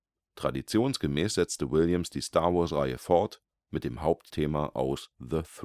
Traditionsgemäß setzte Williams die Star-Wars-Reihe fort mit dem Hauptthema aus „ The Throne Room